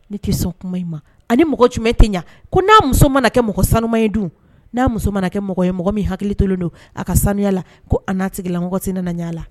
Ne tɛ sɔn kuma in ma ani mɔgɔ jumɛn tɛ ɲɛ ko n'a muso mana kɛ mɔgɔ sanuuma ye dun n'a muso mana kɛ mɔgɔ ye mɔgɔ min hakili tolen don a ka sanuyala ko a' tigila mɔgɔ tɛ ne la